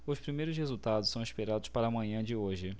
os primeiros resultados são esperados para a manhã de hoje